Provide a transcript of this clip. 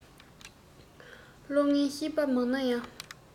བློ ངན ཤེས པ མང ན ཡང